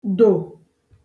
dò